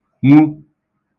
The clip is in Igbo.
nwu